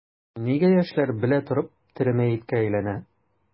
Нигә яшьләр белә торып тере мәеткә әйләнә?